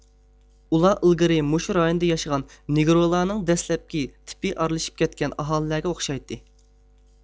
ئۇلار ئىلگىرى مۇشۇ رايوندا ياشىغان نېگرولارنىڭ دەسلەپكى تىپى ئارىلىشىپ كەتكەن ئاھالىلەرگە ئوخشايتتى